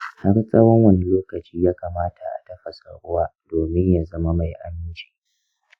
har tsawon wani lokaci ya kamata a tafasa ruwa domin ya zama mai aminci?